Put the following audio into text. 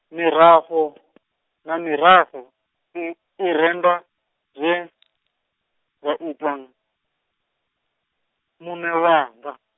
mirafho , na mirafho, i i renda zwe , wa ita, muṋe wanga.